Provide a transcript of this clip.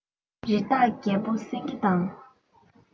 རི དྭགས རྒྱལ པོ སེང གེ དང